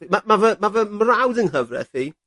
Ma' ma' fy ma' fy mrawd yng nghyfreth i...